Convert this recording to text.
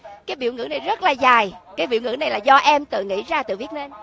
cái biểu ngữ này rất là dài cái biểu ngữ này là do em tự nghĩ ra tự viết nên